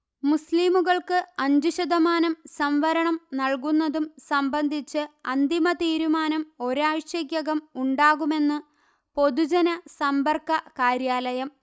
മുസ്ലീമുകൾക്ക് അഞ്ചു ശതമാനം സംവരണം നല്കുന്നതും സംബന്ധിച്ച് അന്തിമ തീരുമാനം ഒരാഴ്ചക്കകം ഉണ്ടാകുമെന്ന് പൊതുജന സമ്പർക്ക കാര്യാലയം